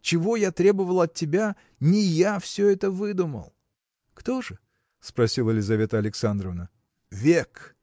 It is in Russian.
Чего я требовал от тебя – не я все это выдумал. – Кто же? – спросила Лизавета Александровна. – Век.